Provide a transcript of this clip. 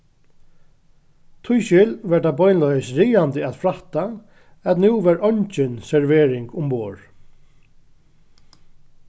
tískil var tað beinleiðis ræðandi at frætta at nú var eingin servering umborð